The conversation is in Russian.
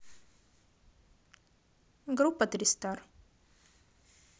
группа тристар